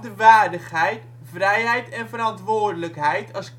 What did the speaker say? waardigheid, vrijheid en verantwoordelijkheid als